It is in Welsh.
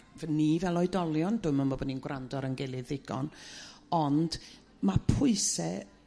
'fo ni fel oedolion dwi'm ym m'wl bo' ni'n gwrando ar 'yn gilydd ddigon ond ma' pwyse